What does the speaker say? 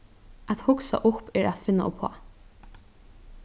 at hugsa upp er at finna uppá